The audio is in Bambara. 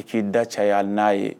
I k'i da caya n'a ye